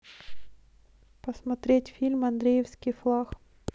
посмотреть фильм андреевский флаг